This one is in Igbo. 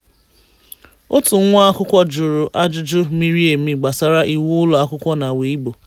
Otu nwa akwụkwọ jụrụ ajụjụ miri emi gbasara iwu ụlọakwụkwọ na Weibo: